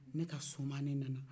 ne ka so maa ni nana